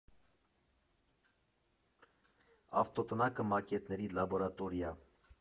Ավտոտնակը՝ մակետների լաբորատորիա։